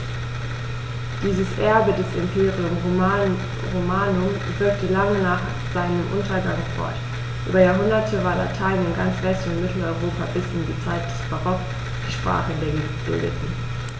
Dieses Erbe des Imperium Romanum wirkte lange nach seinem Untergang fort: Über Jahrhunderte war Latein in ganz West- und Mitteleuropa bis in die Zeit des Barock die Sprache der Gebildeten.